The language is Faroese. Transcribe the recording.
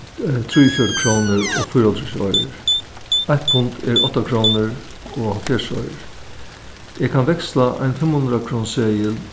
trýogfjøruti krónur og fýraoghálvtrýss oyrur eitt pund er átta krónur og hálvfjerðs oyrur eg kann veksla ein fimmhundraðkrónuseðil